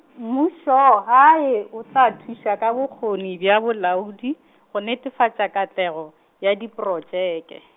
mmušogae o tla thuša ka bokgoni bja bolaodi, go netefatša katlego, ya diprotšeke.